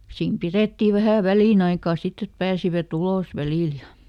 siinä pidettiin vähän väliaikaa sitten että pääsivät ulos välillä ja